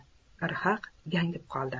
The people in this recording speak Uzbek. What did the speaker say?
rhaq gangib qoldi